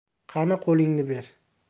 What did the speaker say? qani qo'lingni ber